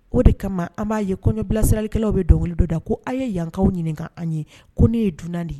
O de kama an b'a ye kɔɲɔ bilasiralikɛlaw bɛ dɔnkilidɔ da ko aw' ye yankaw ɲininka an ye ko ne ye dunan de y